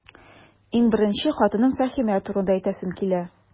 Иң беренче, хатыным Фәһимә турында әйтәсем килә.